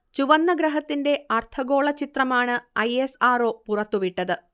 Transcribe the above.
ചുവന്ന ഗ്രഹത്തിന്റെ അർദ്ധഗോള ചിത്രമാണ് ഐ. എസ്. ആർ. ഒ. പുറത്തുവിട്ടത്